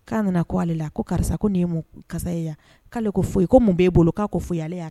Koa nana ko ale karisa ko karisa k'ale ko foyi ye ko mun b' bolo k' foyi